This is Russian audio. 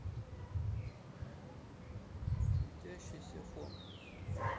светящийся фон